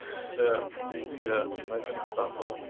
Ia ia wna i ddim starfo.